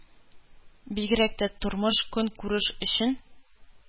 Бигрәк тә тормыш-көнкүреш өчен